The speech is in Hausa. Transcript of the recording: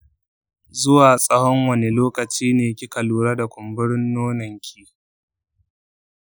zuwa tsawon wani lokaci ne kika lura da kumburin nonon ki?